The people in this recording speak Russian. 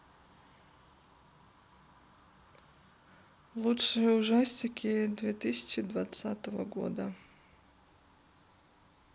лучшие ужастики две тысячи двадцатого года